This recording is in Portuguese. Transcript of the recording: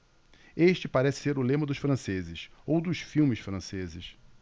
este parece ser o lema dos franceses ou dos filmes franceses